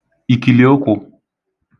ìkìlìụkwụ̄